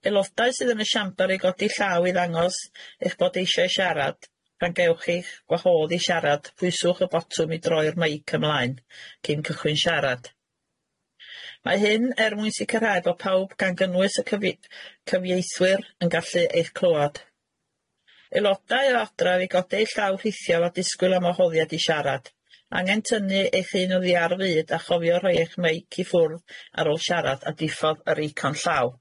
Aelodau sydd yn y siambr i godi llaw i ddangos eich bod eisiau siarad, pan gewch chi'ch wahodd i siarad, pwyswch y botwm i droi'r meic ymlaen, cyn cychwyn siarad. Mae hyn er mwyn sicrhau bo' pawb gan gynnwys y cyfie- cyfieithwyr yn gallu eich clywad. Aelodau o adref i godeu llaw rhithiol a disgwyl am wahoddiad i siarad, angen tynnu eich hyn oddi ar y fud a chofio rhoi eich meic i ffwrdd ar ôl siarad a diffodd yr eicon llaw.